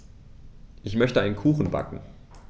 Ich möchte einen Kuchen backen.